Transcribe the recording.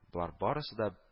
Болар барысы да